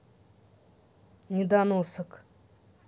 недоносок